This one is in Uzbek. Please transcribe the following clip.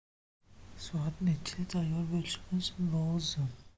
soat nechida tayyor bo'lishimiz lozim